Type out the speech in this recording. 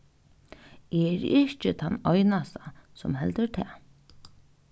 eg eri ikki tann einasta sum heldur tað